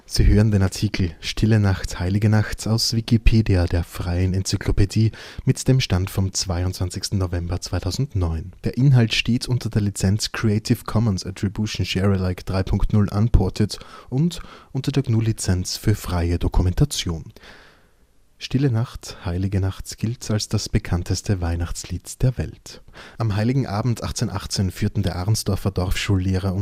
Sie hören den Artikel Stille Nacht, heilige Nacht, aus Wikipedia, der freien Enzyklopädie. Mit dem Stand vom Der Inhalt steht unter der Lizenz Creative Commons Attribution Share Alike 3 Punkt 0 Unported und unter der GNU Lizenz für freie Dokumentation. Jubiläumskarte 1918. Stille-Nacht-Bezirk mit Kapelle in Oberndorf. Das alte Oberndorf vor dem Hochwasser 1899 mit alter Brücke und der Kirche St. Nikolaus im Hintergrund Stille Nacht, heilige Nacht gilt als das bekannteste Weihnachtslied der Welt. 1 Geschichte 2 Vollständiger Liedtext 3 Der Originaltext des Liedes 4 Beispiele für Adaptionen in der klassischen Musik 5 Quellen Am Heiligen Abend 1818 führten der Arnsdorfer Dorfschullehrer